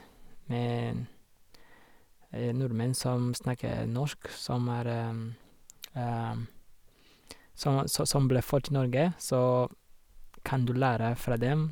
men Nordmenn som snakker norsk, som er som er så som ble født i Norge, så kan du lære fra dem.